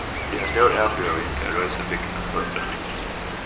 tað er ein stór avbjóðing at reisa bygdina á føtur aftur